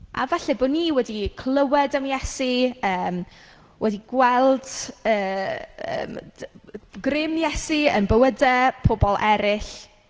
A falle bo' ni wedi clywed am Iesu yym wedi gweld yym d- grym Iesu yn bywydau pobl eraill.